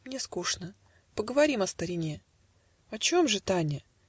- "Мне скучно, Поговорим о старине". - О чем же, Таня?